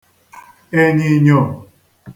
ènyìnyò